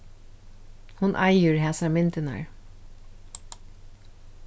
hon eigur hasar myndirnar